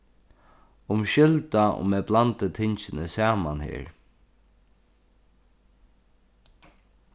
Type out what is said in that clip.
umskylda um eg blandi tingini saman her